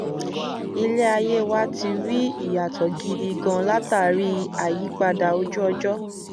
Ilé ayé wa ti rí ìyàtọ̀ gidi gan látààrí àyípadà ojú-ọjọ́."